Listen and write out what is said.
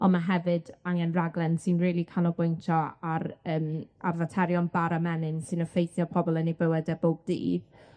On' ma' hefyd angen raglen sy'n rili canolbwyntio ar yym ar faterion bara menyn sy'n effeithio pobol yn eu bywyde bob dydd.